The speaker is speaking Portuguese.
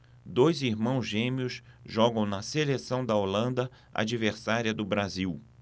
dois irmãos gêmeos jogam na seleção da holanda adversária do brasil